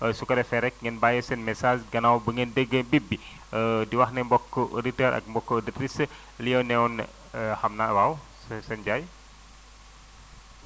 su ko defee rek ngeen bàyyi seen message gànnaaw bu ngeen déggee bip bi di wax ne mbokku auditeurs ak mbokku auditrices li a newoon xam naa waaw së sëñ Ndiaye